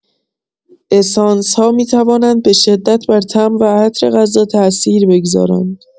اسانس‌ها می‌توانند به‌شدت بر طعم و عطر غذا تاثیر بگذارند.